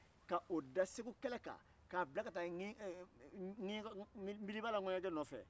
ka o da segu kɛlɛ kan k'a bila ka taa n'bilibala ŋɛɲɛkɛ nɔfɛ